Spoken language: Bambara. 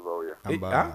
A